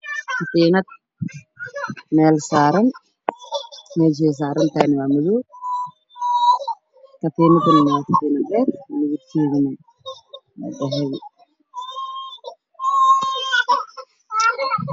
Madiimad meel saran mesha saran thy waa madam madiimaduna waa bulug